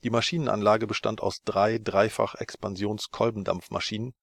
Maschinenanlage bestand aus drei Dreifach-Expansions-Kolbendampfmaschinen